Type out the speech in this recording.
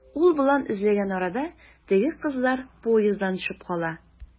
Ул болан эзләгән арада, теге кызлар поезддан төшеп кала.